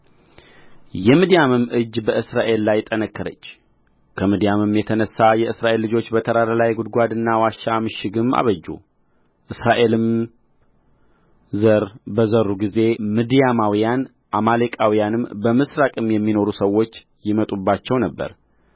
የምድያምም እጅ በእስራኤል ላይ ጠነከረች ከምድያምም የተነሣ የእስራኤል ልጆች በተራራ ላይ ጕድጓድና ዋሻ ምሽግም አበጁ እስራኤልም ዘር በዘሩ ጊዜ ምድያማውያን አማሌቃውያንም በምሥራቅም የሚኖሩ ሰዎች ይመጡባቸው ነበር